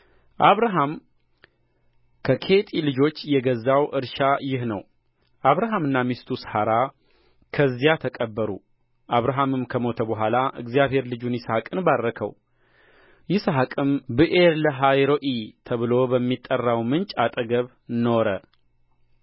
አብርሃም ከኬጢ ልጆች የገዛው እርሻ ይህ ነው አብርሃምና ሚስቱ ሣራ ከዚያ ተቀበሩ አብርሃምም ከሞተ በኋላ እግዚአብሔር ልጁን ይስሐቅን ባረከው ይስሐቅም ብኤርለሃይሮኢ ተብሎ በሚጠራው ምንጭ አጠገብ ኖረ